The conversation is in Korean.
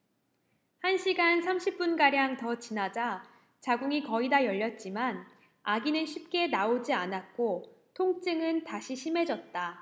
한 시간 삼십 분가량 더 지나자 자궁이 거의 다 열렸지만 아기는 쉽게 나오지 않았고 통증은 다시 심해졌다